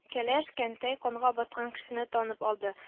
Кәләш-кәнтәй канга баткан кешене танып алды